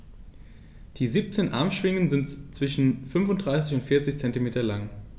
Die 17 Armschwingen sind zwischen 35 und 40 cm lang.